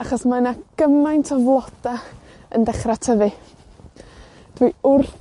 Achos mae 'na gymaint o floda yn dechra tyfu. Dwi wrth